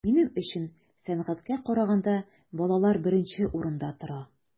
Минем өчен сәнгатькә караганда балалар беренче урында тора.